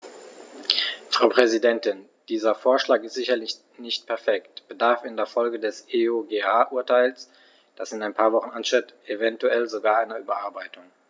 Frau Präsidentin, dieser Vorschlag ist sicherlich nicht perfekt und bedarf in Folge des EuGH-Urteils, das in ein paar Wochen ansteht, eventuell sogar einer Überarbeitung.